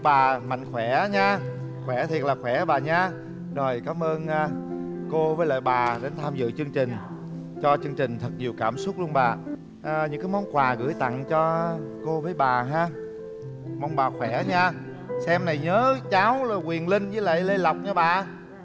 bà mạnh khỏe nha khỏe thiệt là khỏe bà nha rồi cám ơn ơ cô với lại bà đến tham dự chương trình cho chương trình thật nhiều cảm xúc luôn bà ơ những cái món quà gửi tặng cho cô với bà ha mong bà khỏe nha xem này nhớ cháu là quyền linh với lại lê lộc nha bà